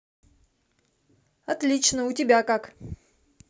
отлично у тебя как